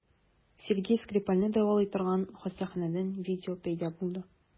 Сергей Скрипальне дәвалый торган хастаханәдән видео пәйда булды.